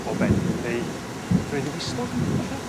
obennydd neu freuddwystog 'falle?